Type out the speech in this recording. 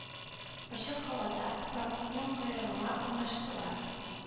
Ачык һавада, пароходның койрыгына урнаштылар.